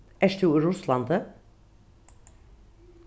ert tú úr russlandi